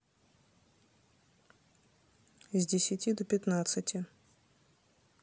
с десяти до пятнадцати